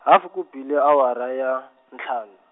hafu ku bile awara ya, ntlhanu.